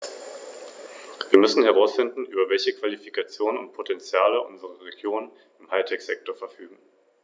Die Abstimmung findet morgen um 12.00 Uhr statt.